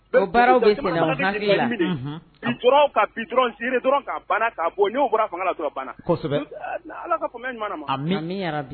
Dɔrɔn bɔ nu fanga ala